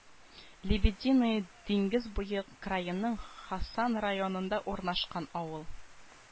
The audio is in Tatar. Лебединое Диңгез буе краеның Хасан районында урнашкан авыл